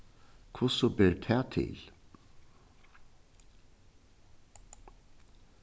hvussu ber tað til